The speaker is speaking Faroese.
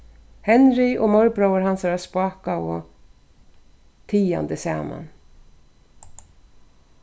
henry og morbróðir hansara spákaðu tigandi saman